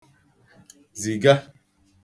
zìga